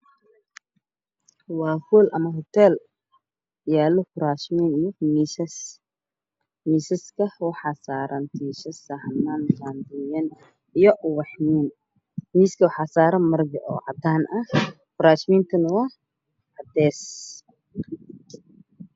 Waa hool ama hutel yaalo kuraas iyo miisas miisaska waxaa saaran saxamaan qaadooyin iyo ubaxyooyin miisaska waxaa saaran maro oo cadaan ah kuraasyooyinka waa cadays